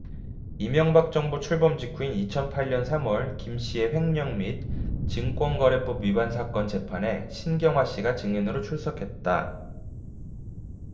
이명박 정부 출범 직후인 이천 팔 년 삼 월 김씨의 횡령 및 증권거래법 위반 사건 재판에 신경화씨가 증인으로 출석했다